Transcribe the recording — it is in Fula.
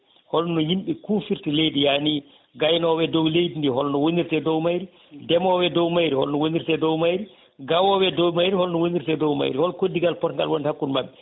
holno yimɓe kufirta leydi yaani gaynowo e dow leydi ndi holno wonirta e dow mayri ndeemowo e dow mayri o holno wonirta e dow mayri gawowo e dow mayri holno wonirta e dow mayri hol kaddigal pongal wonde hakkude mabɓe